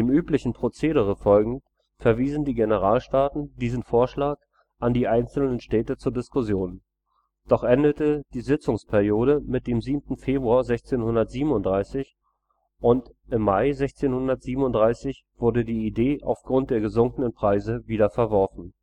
üblichen Prozedere folgend, verwiesen die Generalstaaten diesen Vorschlag an die einzelnen Städte zur Diskussion, doch endete die Sitzungsperiode mit dem 7. Februar 1637 und im Mai 1637 wurde die Idee aufgrund der gesunkenen Preise wieder verworfen